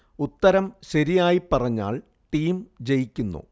ഉത്തരം ശരിയായി പറഞ്ഞാൽ ടീം ജയിക്കുന്നു